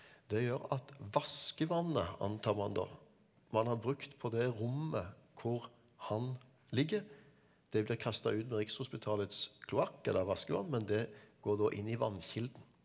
det gjør at vaskevannet antar man da man har brukt på det rommet hvor han ligger det blir kasta ut med Rikshospitalets kloakk eller vaskevann men det går da inn i vannkilden.